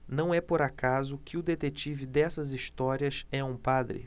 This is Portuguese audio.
não é por acaso que o detetive dessas histórias é um padre